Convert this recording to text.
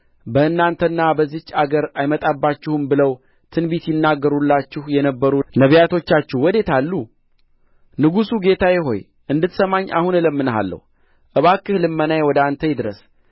በእናንተና በዚህች አገር አይመጣባችሁም ብለው ትንቢት ይናገሩላችሁ የነበሩ ነቢያቶቻችሁ ወዴት አሉ ንጉሡ ጌታዬ ሆይ እንድትሰማኝ አሁን እለምንሃለሁ እባክህ ልመናዬ ወደ አንተ ይድረስ